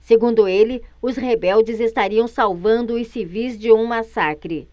segundo ele os rebeldes estariam salvando os civis de um massacre